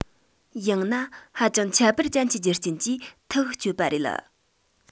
ཡང ན ཧ ཅང ཁྱད པར ཅན གྱི རྒྱུ རྐྱེན གྱིས ཐག གཅོད པ རེད